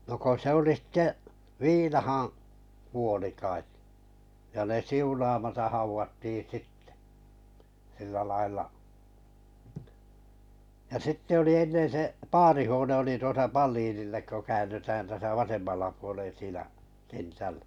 no kun se oli sitten viinaan kuoli kai ja ne siunaamatta haudattiin sitten sillä lailla ja sitten oli ennen se paarihuone oli tuossa Palinille kun käännytään tässä vasemmalla puolen siinä -